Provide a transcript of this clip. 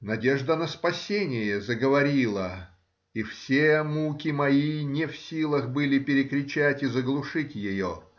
Надежда на спасение заговорила, и все муки мои не в силах были перекричать и заглушить ее